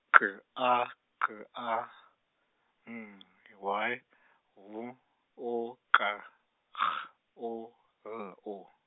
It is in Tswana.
K A K A N Y W O K G O L O.